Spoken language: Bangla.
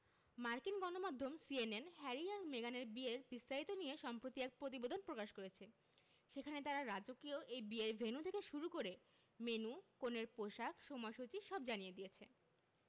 মার্কিন গণমাধ্যম সিএনএন হ্যারি আর মেগানের বিয়ের বিস্তারিত নিয়ে সম্প্রতি এক প্রতিবেদন প্রকাশ করেছে সেখানে তারা রাজকীয় এই বিয়ের ভেন্যু থেকে শুরু করে মেন্যু কনের পোশাক সময়সূচী সব জানিয়ে দিয়েছে